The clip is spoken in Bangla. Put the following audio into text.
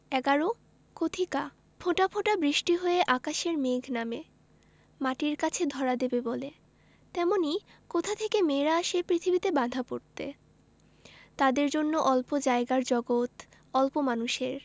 ১১ কথিকা ফোঁটা ফোঁটা বৃষ্টি হয়ে আকাশের মেঘ নামে মাটির কাছে ধরা দেবে বলে তেমনি কোথা থেকে মেয়েরা আসে পৃথিবীতে বাঁধা পড়তে তাদের জন্য অল্প জায়গার জগত অল্প মানুষের